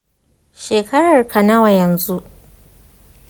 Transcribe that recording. shekarar ka nawa yanzu